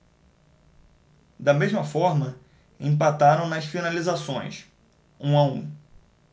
da mesma forma empataram nas finalizações um a um